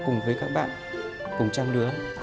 cùng với các bạn cùng trang lứa